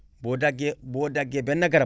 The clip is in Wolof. boo daggee boo daggee benn garab